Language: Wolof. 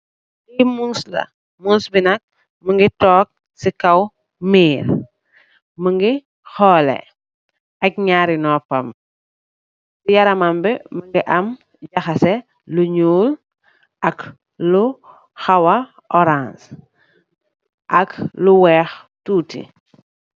Li muss la muss bi nak munge tok si kaw mirr munge xholeh ach nyarri nopam yaram bi munge ame lu jahasi lu nyull ak lu khawa orange ak yu wekh tutti